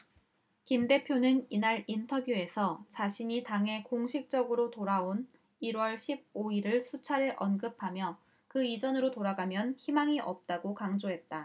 김 대표는 이날 인터뷰에서 자신이 당에 공식적으로 들어온 일 월 십 오 일을 수차례 언급하며 그 이전으로 돌아가면 희망이 없다고 강조했다